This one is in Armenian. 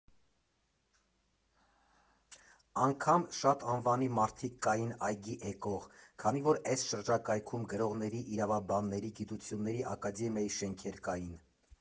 Անգամ շատ անվանի մարդիկ կային այգի էկող, քանի որ էս շրջակայքում գրողների, իրավաբանների, գիտությունների ակադեմիայի շենքեր կային։